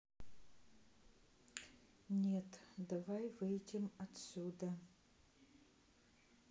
нет давай выйдем отсюда